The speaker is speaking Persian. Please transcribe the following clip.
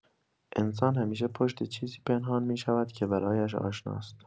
انسان همیشه پشت چیزی پنهان می‌شود که برایش آشناست.